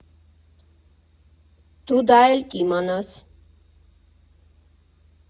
Դու դա էլ կիմանաս։